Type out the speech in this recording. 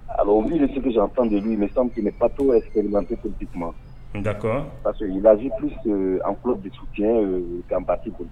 A lui ce j'entends de lui, il n'est pas trop expérimenté politiquement . D'accord parce que il agit plus que en preuve de soutien qu'en parti politique.